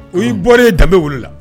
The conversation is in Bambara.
U y'ɔr ye danbebe wulilala